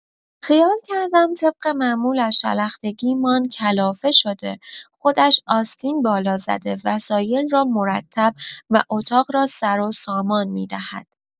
خیال کردم طبق معمول از شلختگی‌مان کلافه شده، خودش آستین بالا زده وسایل را مرتب و اتاق را سر و سامان می‌دهد.